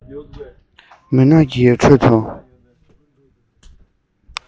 མུན ནག གྱི ཁྲོད དུ